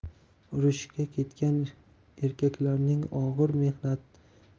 urushga ketgan erkaklarning og'ir